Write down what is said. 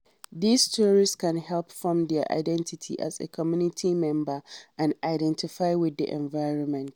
These stories can help form their identity as a community member and identify with the environment.